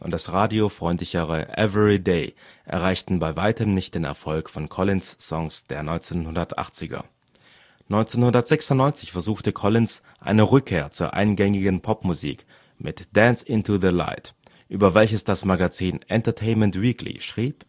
das Radio-freundlichere Everyday erreichten bei Weitem nicht den Erfolg von Collins-Songs der 1980er. 1996 versuchte Collins eine Rückkehr zur eingängigen Popmusik mit Dance into the Light, über welches das Magazin Entertainment Weekly schrieb